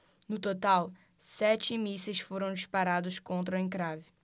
no total sete mísseis foram disparados contra o encrave